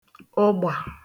ụgbà